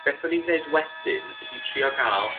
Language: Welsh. be' swn i'n gneud wedyn ydi trio ga'l